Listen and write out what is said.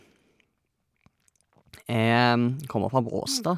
Jeg kommer fra Bråstad.